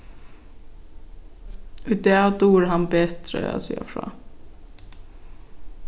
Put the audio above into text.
í dag dugir hann betur at siga frá